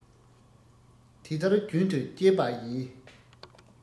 དེ ལྟར རྒྱུན དུ སྤྱད པ ཡིས